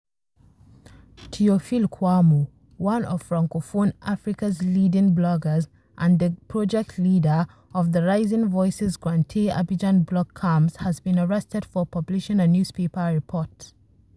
Théophile Kouamouo, one of Francophone Africa's leading bloggers, and the project leader of the Rising Voices grantee Abidjan Blog Camps has been arrested for publishing a newspaper report.